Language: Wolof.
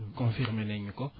confirmer nañ ñu ko